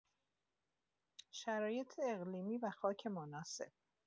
شرایط اقلیمی و خاک مناسب